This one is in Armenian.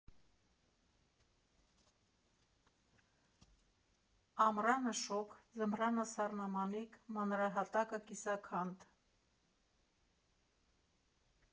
Ամռանը՝ շոգ, ձմռանը՝ սառնամանիք, մանրահատակը՝ կիսաքանդ…